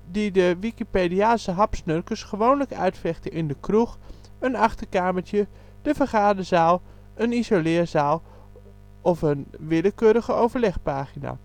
die de Wikipediaanse hapsnurkers gewoonlijk uitvechten in de kroeg, een achterkamertje, de vergaderzaal, een isoleercel of een willekeurige overlegpagina